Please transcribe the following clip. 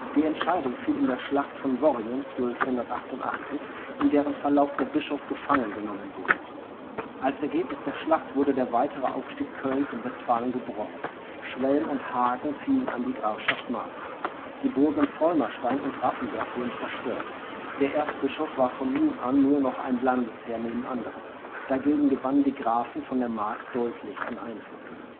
Die Entscheidung fiel in der Schlacht von Worringen (1288), in deren Verlauf der Bischof gefangen genommen wurde. Als Ergebnis der Schlacht wurde der weitere Aufstieg Kölns in Westfalen gebrochen. Schwelm und Hagen fielen an die Grafschaft Mark. Die Burgen Volmarstein und Raffenberg wurden zerstört. Der Erzbischof war von nun an nur noch ein Landesherr neben anderen. Dagegen gewannen die Grafen von der Mark deutlich an Einfluss